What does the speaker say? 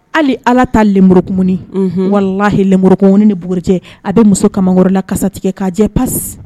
Hali ala taa lenburukmuni walahi lenburukm ni bjɛ a bɛ muso kama wɛrɛ la karisasa tigɛ k'a jɛ pasi